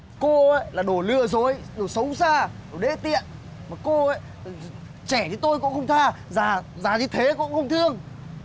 cô ấy là đồ lừa dối đồ xấu xa đồ đê tiện mà cô ấy trẻ như tôi cũng không tha già như thế cũng không thương